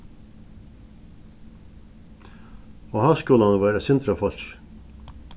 á háskúlanum var eitt sindur av fólki